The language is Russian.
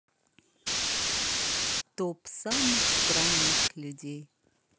топ самых странных людей